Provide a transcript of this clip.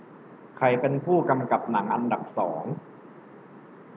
ใครเป็นผู้กำกับหนังอันดับสอง